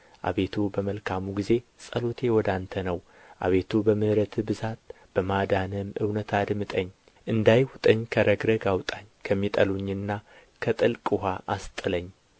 አቤቱ በመልካሙ ጊዜ ጸሎቴ ወደ አንተ ነው አቤቱ በምሕረትህ ብዛት በማዳንህም እውነት አድምጠኝ እንዳይውጠኝ ከረግረግ አውጣኝ ከሚጠሉኝና ከጥልቅ ውኃ አስጥለኝ